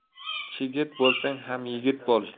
chigit bo'lsang ham yigit bo'l